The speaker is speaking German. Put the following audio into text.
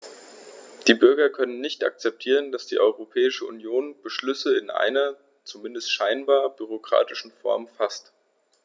Die Bürger können nicht akzeptieren, dass die Europäische Union Beschlüsse in einer, zumindest scheinbar, bürokratischen Form faßt.